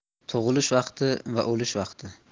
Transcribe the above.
tug'ilish vaqti va o'lish vaqti